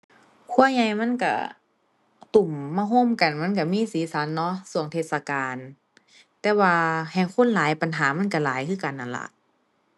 ครัวใหญ่มันก็ตุ้มมาโฮมกัน มันก็มีสีสันเนาะ ก็เทศกาล แต่ว่าแฮ่งคนหลายปัญหามันก็หลายคือกันนั่นล่ะ